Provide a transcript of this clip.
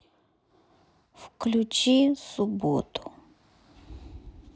включи субботу